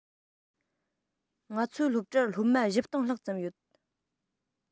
ང ཚོའི སློབ གྲྭར སློབ མ ༤༠༠༠ ལྷག ཙམ ཡོད